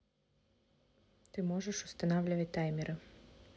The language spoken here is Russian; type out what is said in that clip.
ты можешь устанавливать таймеры